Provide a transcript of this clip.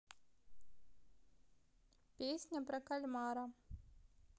песня про кальмара